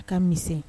A ka misɛn